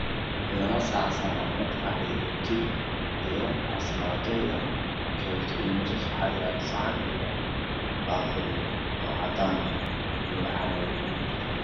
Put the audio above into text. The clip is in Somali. Meshan waxaa saran odgac iyo roti ansalato kabash mesha waxaa yalo baquli oo cadan ah iyo waxaa yalo mindi